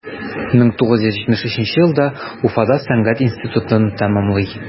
1973 елда уфада сәнгать институтын тәмамлый.